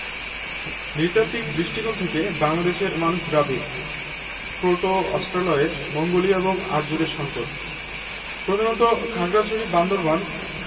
নৃতাত্ত্বিক দৃষ্টিকোণ থেকে বাংলাদেশের মানুষ দ্রাবিড় প্রোটো অস্ট্রালয়েড মঙ্গোলীয় এবং আর্যদের সংকর প্রধানত খাগড়াছড়ি বান্দরবান